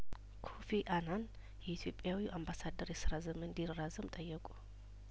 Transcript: ኮፊ አናን የኢትዮጵያዊው አምባሳደር የስራ ዘመን እንዲራዘም ጠየቁ